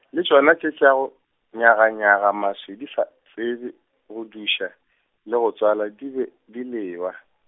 le tšona tše tša go, nyaganyaga maswi di sa, tsebe go duša, le go tswala di be di lewa.